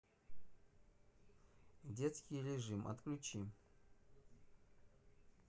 детский режим отключи